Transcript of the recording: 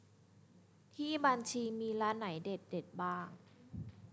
ที่บัญชีมีร้านไหนเด็ดเด็ดบ้าง